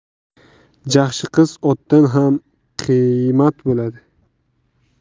jaxshi qiz otdan ham qiymat bo'ladi